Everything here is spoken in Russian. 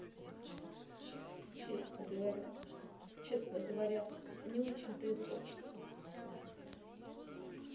честно говорю честно говоря не очень то и хочется